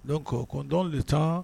Donc , dont le temps